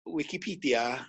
wicipedia